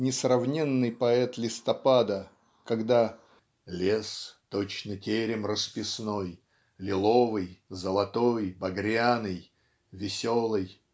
несравненный поэт листопада когда Лес точно терем расписной Лиловый золотой багряный Веселой